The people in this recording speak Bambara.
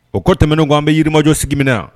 O ko tɛmɛn' an bɛ yirimajɔ sigi